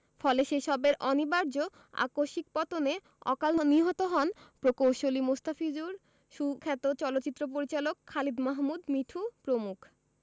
ফলে সে সবের অনিবার্য আকস্মিক পতনে অকালে নিহত হন প্রকৌশলী মোস্তাফিজুর সুখ্যাত চলচ্চিত্র পরিচালক খালিদ মাহমুদ মিঠু প্রমুখ